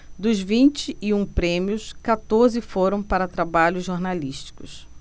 dos vinte e um prêmios quatorze foram para trabalhos jornalísticos